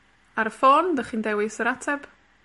Ar y ffôn, 'dych chi'n dewis yr ateb.